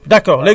dëgg la